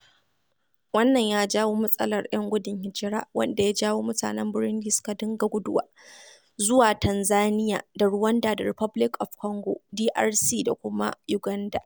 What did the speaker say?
Wannan ya jawo matsalar 'yan gudun hijira wanda ya jawo mutanen Burundi suka dinga guduwa zuwa Tanzaniya da Rwanda da Republic of Congo (DRC) da kuma Uganda.